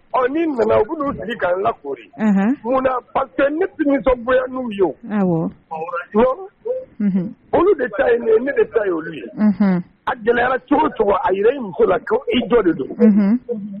Ɔ ni nana u bɛ n'u sigi ka ln lakoori, unhun, mun na parce que ne tɛ nisɔgoya n'u y wo,a wɔ, olu de ta ye ne ta ye olu ye, unhun, a gɛlɛyala cogo o cogo a jira i muso la ko i jo de don, unhun.